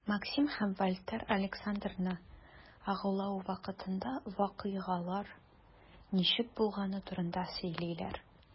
Максим һәм Вальтер Александрны агулау вакытында вакыйгалар ничек булганы турында сөйлиләр.